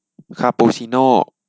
คาปูชิโน่